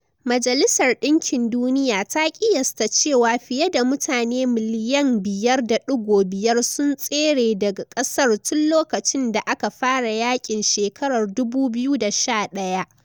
Majalisar Dinkin Duniya ta kiyasta cewa fiye da mutane miliyan 5.5 sun tsere daga kasar tun lokacin da aka fara yakin shekarar 2011.